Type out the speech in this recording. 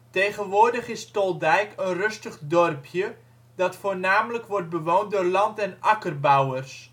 Tegenwoordig is Toldijk een rustig dorpje, dat voornamelijk wordt bewoond door land - en akkerbouwers